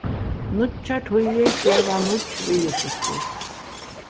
nýggjar tíðir geva nýggj viðurskiftir